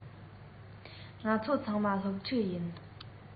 ང ཚོ ཚང མ སློབ ཕྲུག ཡིན